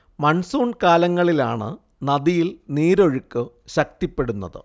monsoon കാലങ്ങളിലാണ് നദിയിൽ നീരൊഴുക്ക് ശക്തിപ്പെടുന്നത്